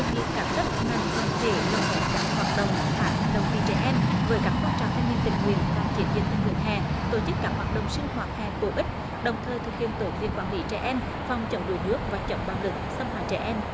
đề nghị các cấp ngành đoàn thể lồng ghép các hoạt động tháng hành động vì trẻ em với các phong trào thanh niên tình nguyện và chiến dịch tình nguyện hè tổ chức các hoạt động sinh hoạt hè bổ ích đồng thời thực hiện tốt việc quản lý trẻ em phòng chống đuối nước và chống bạo lực xâm hại trẻ em